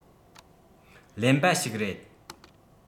ཀླེན པ ཞིག རེད